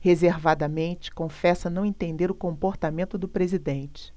reservadamente confessa não entender o comportamento do presidente